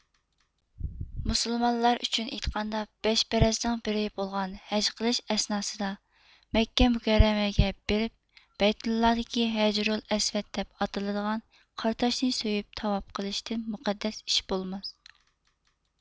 مۇسۇلمانلار ئۈچۈن ئېيتقاندا بەش پەرەزنىڭ بىرى بولغان ھەج قىلىش ئەسناسىدا مەككە مۇكەررەمەگە بېرىپ بەيتۇللا دىكى ھەجىرۇل ئەسۋەد دەپ ئاتىلىدىغان قارا تاشنى سۆيۈپ تاۋاپ قىلىشتىن مۇقەددەس ئىش بولماس